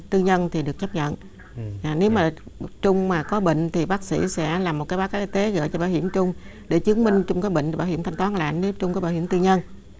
tư nhân thì được chấp nhận là nếu mà trung mà có bệnh thì bác sĩ sẽ làm một cái báo cáo y tế gửi cho bảo hiểm trung để chứng minh trung có bệnh bảo hiểm thanh toán là nếu trung có bảo hiểm tư nhân